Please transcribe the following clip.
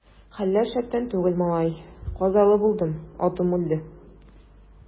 Хәлләр шәптән түгел, малай, казалы булдым, атым үлде.